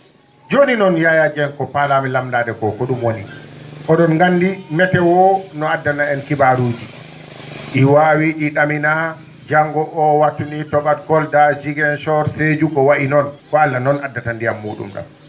jooni noon Yaya Dieng ko paalaami lamndaade ko ?um woni o?on nganndi metéo no addana en kibaaruuji ?i waawi ?i ?aminaa janngo o wattu nii to?at Kolda Ziguinchor Sédiou ko wayi noon ko Allah noon addata ndiyam muu?um ?am